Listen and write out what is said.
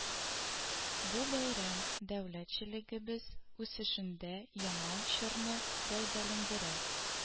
Бу бәйрәм дәүләтчелегебез үсешендә яңа чорны гәүдәләндерә